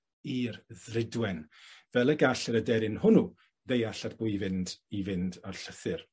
i'r ddrudwen fel y gall yr aderyn hwnnw ddeall at bwy i fynd i fynd â'r llythyr.